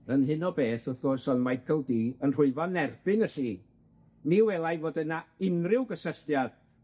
Yn hyn o beth wrth gwrs o'dd Michael Dee yn rhwyfo'n erbyn y llu. Ni welai fod yna unryw gysylltiad